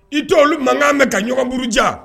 I tɔw mankan mɛn ka ɲɔgɔnkuru ja